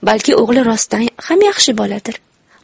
balki o'g'li rostdan ham yaxshi boladir